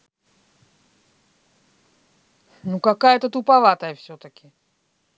ну какая то туповатая все таки